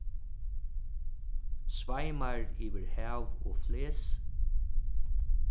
sveimar yvir hav og fles